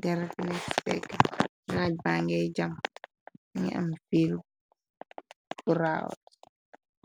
dera bi nex beg naaj bangay jàm ngi am fiil bu raat.